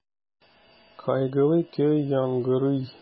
Кайгылы көй яңгырый.